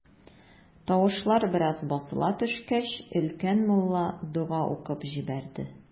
Тавышлар бераз басыла төшкәч, өлкән мулла дога укып җибәрде.